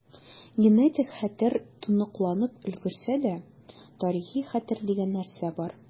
Генетик хәтер тоныкланып өлгерсә дә, тарихи хәтер дигән нәрсә бар.